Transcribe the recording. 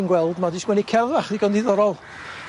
ti'n gweld ma' 'di sgwennu cerdd fach ddigon ddiddorol